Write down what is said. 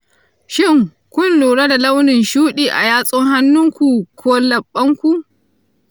shin, kun lura da launin shudi a yatsun hannun ku ko leɓɓan ku?